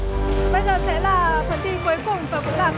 bây giờ sẽ là phần thi cuối cùng và cũng là